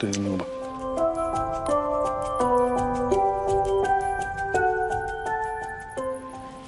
Dwi ddim yn wbo.